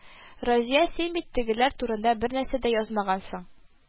Разия, син бит тегеләр турында бернәрсә дә язмагансың